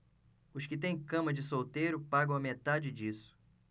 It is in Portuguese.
os que têm cama de solteiro pagam a metade disso